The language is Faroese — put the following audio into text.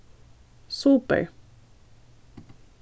super